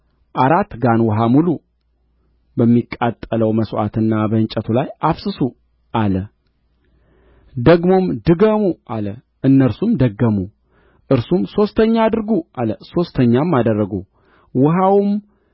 አራት ጋን ውኃ ሙሉ በሚቃጠለው መሥዋዕትና በእንጨቱ ላይ አፍስሱ አሉ ደግሞም ድገሙ አለ እነርሱም ደገሙ እርሱም ሦስተኛ አድርጉ አለ ሦስተኛም አደረጉ ውኃውም